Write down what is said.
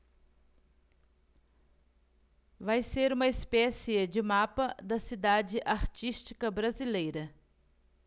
vai ser uma espécie de mapa da cidade artística brasileira